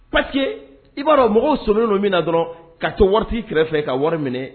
Pa i b'a dɔn mɔgɔw solen ninnu min na dɔrɔn ka to wariti kɛrɛfɛ ka wari minɛ